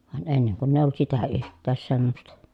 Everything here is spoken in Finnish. vaan ennen kun ei ollut sitä yhtään semmoista